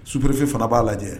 Sous préfère fana ba lajɛ.